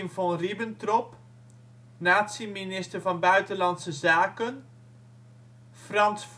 von Ribbentrop (Nazi-minister van Buitenlandse Zaken) Franz